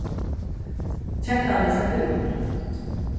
kettan vil sleppa út